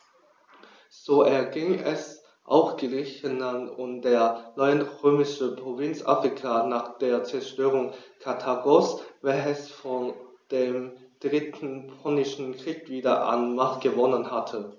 So erging es auch Griechenland und der neuen römischen Provinz Afrika nach der Zerstörung Karthagos, welches vor dem Dritten Punischen Krieg wieder an Macht gewonnen hatte.